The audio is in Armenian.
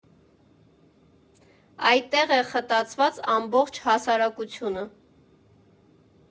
Այդտեղ է խտացված ամբողջ հասարակությունը.